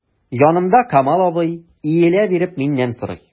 Янымда— Камал абый, иелә биреп миннән сорый.